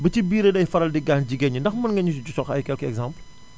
ba ci biir day faral di gaañ jigéen ñi ndax mën nga ñu ci jox ay quelques exemples